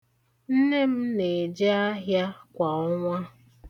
Nne m na-eje ahịa kwa ọnwa.